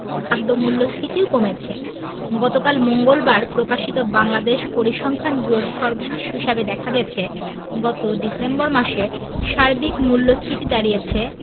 খাদ্য মূল্যস্ফীতিও কমেছে গতকাল মঙ্গলবার প্রকাশিত বাংলাদেশ পরিসংখ্যান ব্যুরোর সর্বশেষ হিসাবে দেখা গেছে গত ডিসেম্বর মাসে সার্বিক মূল্যস্ফীতি দাঁড়িয়েছে